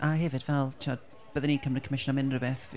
A hefyd fel, timod bydden i'n cymryd comisiwn am unrhyw beth.